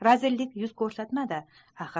razillik yuz korsatadi